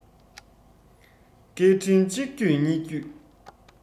སྐད འཕྲིན གཅིག བརྒྱུད གཉིས བརྒྱུད